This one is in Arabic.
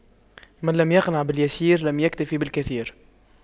من لم يقنع باليسير لم يكتف بالكثير